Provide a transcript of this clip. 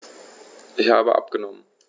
Ich habe abgenommen.